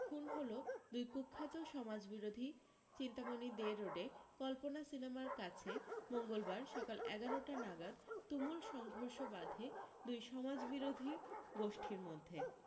খুন হল দুই কুখ্যাত সমাজবিরোধী চিন্তামণি দে রোডে কল্পনা সিনেমার কাছে মঙ্গলবার সকাল এগারোটা নাগাদ তুমুল সংঘর্ষ বাধে দুই সমাজবিরোধী গোষ্ঠীর মধ্যে